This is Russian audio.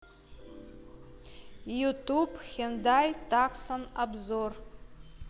ютуб хендай таксон обзор